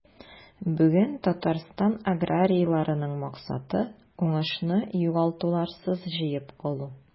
Бүген Татарстан аграрийларының максаты – уңышны югалтуларсыз җыеп алу.